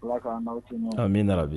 Min nana bi